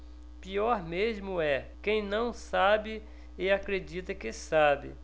pior mesmo é quem não sabe e acredita que sabe